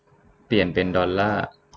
เปลี่ยนเป็นดอลล่า